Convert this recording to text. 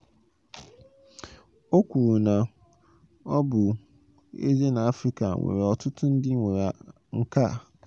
O kwuru na ọ bụ ezie na Afrịka nwere ọtụtụ ndị nwere nkà, ha enweghị akụrụngwa na ikike iji azụmaahịa ha mee ihe okike ma nweta nnukwu akụnụba dị n'ihu ha, dịka Afreximbank si kwuo.